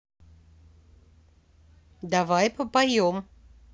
давай попоем